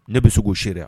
Ne bɛ se k'o se